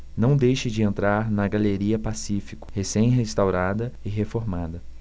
não deixe de entrar na galeria pacífico recém restaurada e reformada